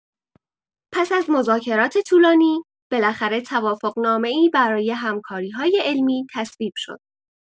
پس از مذاکرات طولانی، بالاخره توافق‌نامه‌ای برای همکاری‌های علمی تصویب شد.